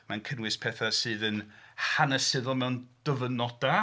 Mae'n cynnwys pethau sydd yn hanesyddol, mewn dyfynodau.